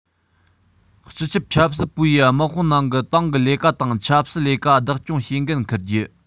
སྤྱི ཁྱབ ཆབ སྲིད པུའུ ཡིས དམག དཔུང ནང གི ཏང གི ལས ཀ དང ཆབ སྲིད ལས ཀ བདག སྐྱོད བྱེད འགན འཁུར རྒྱུ